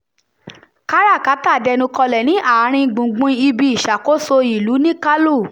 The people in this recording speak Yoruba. Káràkátà dẹnu kọlẹ̀ ní àárín gbùngbùn ibi ìṣàkóso ìlú ní Kalou.